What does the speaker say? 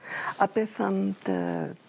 A beth am dy